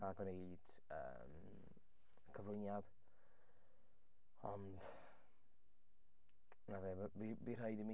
A gwneud yym cyflwyniad, ond 'na fe b- bydd bydd rhaid i mi.